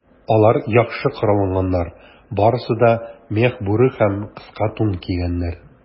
Алар яхшы коралланганнар, барысы да мех бүрек һәм кыска тун кигәннәр.